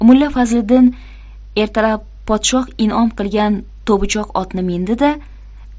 mulla fazliddin ertalab podshoh in'om qilgan to'bichoq otni mindi da